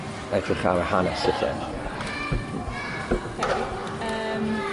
edrych ar y hanes y lle. Oce yym